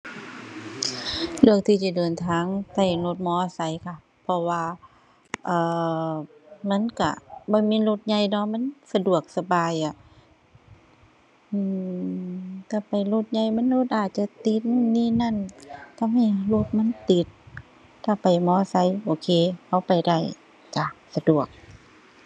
เลือกที่จะเดินทางใช้รถมอไซค์ค่ะ เพราะว่า เอ่อ มันใช้บ่มีรถใหญ่เนาะ มันสะดวกสบายอะ อือ ใช้ไปรถใหญ่มันรถอาจจะติดนู่นนี่นั่นทำให้รถมันติด ถ้าไปมอไซค์โอเค พอไปได้จ้ะ สะดวก